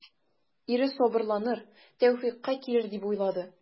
Ире сабырланыр, тәүфыйкка килер дип уйлады.